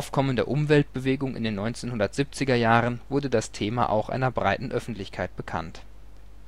Aufkommen der Umweltbewegung in den 1970er Jahren wurde das Thema auch einer breiteren Öffentlichkeit bekannt.